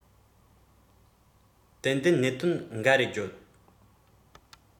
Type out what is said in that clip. ཏན ཏན གནད དོན འགའ རེ བརྗོད